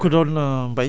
ok Mbaye jërëjëf